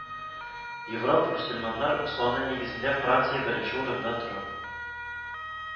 Европада мөселманнар саны нигезендә Франция беренче урында тора